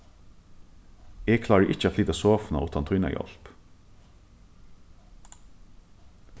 eg klári ikki at flyta sofuna uttan tína hjálp